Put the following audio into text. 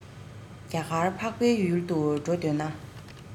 རྒྱ གར འཕགས པའི ཡུལ དུ འགྲོ འདོད ན